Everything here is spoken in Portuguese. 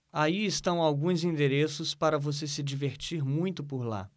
aí estão alguns endereços para você se divertir muito por lá